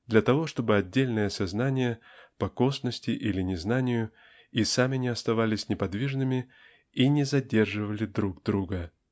для того чтобы отдельные сознания по косности или незнанию сами не оставались неподвижными и не задерживали друг друга.